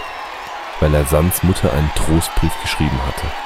weil er Sands Mutter einen Trostbrief geschrieben hatte